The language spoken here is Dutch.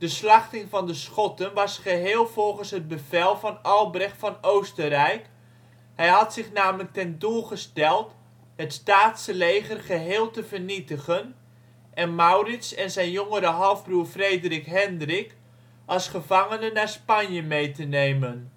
slachting van de Schotten was geheel volgens het bevel van Albrecht van Oostenrijk, hij had zich namelijk ten doel gesteld het Staatse leger geheel te vernietigen en Maurits en zijn jongere halfbroer Frederik Hendrik als gevangenen naar Spanje mee te nemen